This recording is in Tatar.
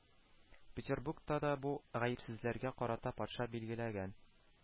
Петербургта да бу «гаепсезләр»гә карата патша билгеләгән